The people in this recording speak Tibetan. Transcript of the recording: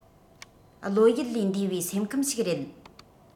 བློ ཡུལ ལས འདས པའི སེམས ཁམས ཞིག རེད